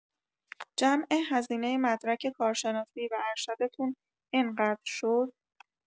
جمع هزینه مدرک کارشناسی و ارشدتون انقدر شد؟